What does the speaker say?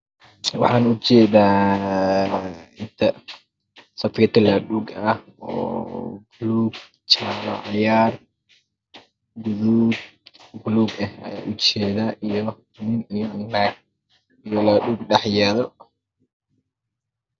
Waxaa ujeeda safiito laadhuu ah oo leh baluug ,cagaar, gaduud, baluug ayaan ujeeda iyo laadhuu dhexyaala.